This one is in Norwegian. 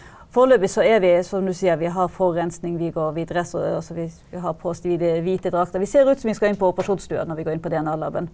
foreløpig så er vi som du sier vi har forurensning, vi går vi dress og altså vi har på oss de hvite vi ser ut som vi skal inn på operasjonsstua når vi går inn på DNA-labben.